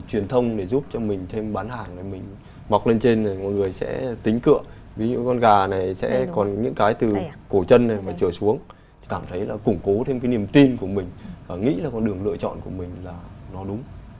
truyền thông để giúp cho mình thêm bán hàng mình mọc lên trên để mọi người sẽ tính cựa ví dụ con gà này sẽ còn những cái từ cổ chân và trôi xuống cảm thấy đã củng cố thêm niềm tin của mình ở nghĩ là một đường lựa chọn của mình là nó đúng